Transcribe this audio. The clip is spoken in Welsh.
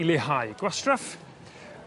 i leihau gwastraff